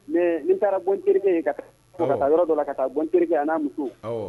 Mɛ n taaraɔnt ye ka taa yɔrɔ dɔ la ka taaɔn terikɛ n'a muso